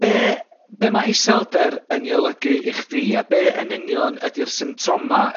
be' be' ma' iselder yn 'i olygu i chdi a be' yn union ydi'r symptoma